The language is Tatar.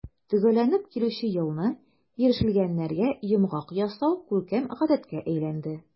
Төгәлләнеп килүче елны ирешелгәннәргә йомгак ясау күркәм гадәткә әйләнде.